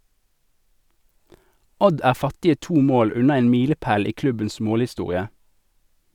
Odd er fattige to mål unna en milepæl i klubbens målhistorie.